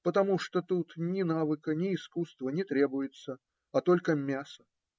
Потому что тут ни навыка, ни искусства не требуется, а только мясо.